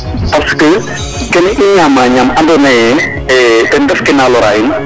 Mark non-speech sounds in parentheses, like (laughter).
Parce que kene ke i ñaamaa, ñaam andoona yee (hesitation) ten ref ke na lora in.